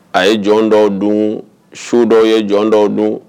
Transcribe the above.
A ye jɔn dɔw don so dɔw ye jɔn dɔw don